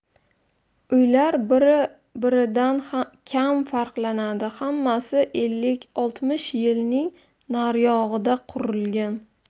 uylar biri biridan kam farqlanadi hammasi ellik oltmish yilning naryog'ida qurilgan